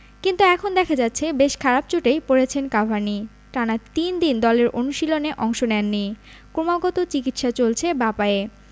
কিন্তু এখন দেখা যাচ্ছে বেশ খারাপ চোটেই পড়েছেন কাভানি টানা তিন দিন দলের অনুশীলনে অংশ নেননি ক্রমাগত চিকিৎসা চলছে বাঁ পায়ে